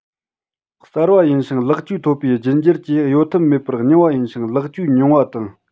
གསར པ ཡིན ཞིང ལེགས བཅོས ཐོབ པའི རྒྱུད འགྱུར གྱིས གཡོལ ཐབས མེད པར རྙིང བ ཡིན ཞིང ལེགས བཅོས ཉུང བ དང